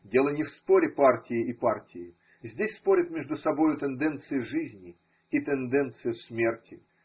Дело не в споре партии и партии: здесь спорят между собою тенденция жизни и тенденция смерти.